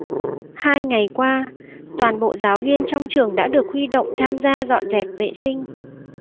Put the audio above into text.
hai ngày qua toàn bộ giáo viên trong trường đã được huy động tham gia dọn dẹp vệ sinh